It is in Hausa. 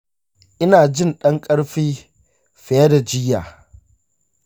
ina jin ɗan ƙarfi fiye da jiya.